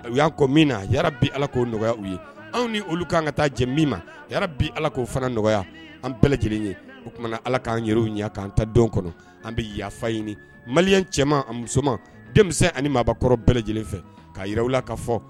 O y'an kɔ min na bi ala k'o nɔgɔya u ye anw ni olu kanan ka taa jɛ min ma bɛ ala k koo fana nɔgɔya an bɛɛ lajɛlen ye oumana ala k'an yɛrɛ ɲɛ k'an ta don kɔnɔ an bɛ yafa ɲini mali cɛman an musoman denmisɛn ani maakɔrɔ bɛɛ lajɛlen fɛ k'a jiraw la ka fɔ